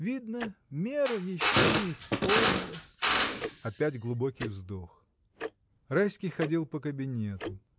Видно, мера еще не исполнилась!. Опять глубокий вздох. Райский ходил по кабинету.